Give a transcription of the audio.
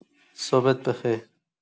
صبحت به خیر.